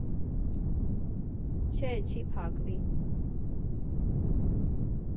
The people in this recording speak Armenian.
Չէ, չի փակվի։